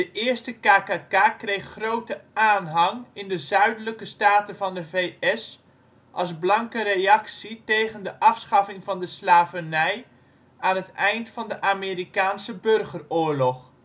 eerste KKK kreeg grote aanhang in de Zuidelijke staten van de VS als blanke reactie tegen de afschaffing van de slavernij aan het eind van de Amerikaanse Burgeroorlog